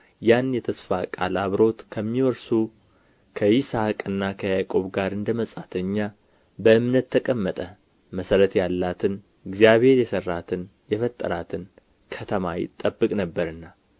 ያን የተስፋ ቃል አብረውት ከሚወርሱ ከይስሐቅና ከያዕቆብ ጋር እንደ መጻተኛ በእምነት ተቀመጠ መሠረት ያላትን እግዚአብሔር የሠራትንና የፈጠራትን ከተማ ይጠብቅ ነበርና